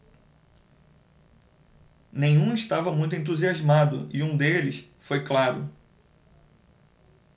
nenhum estava muito entusiasmado e um deles foi claro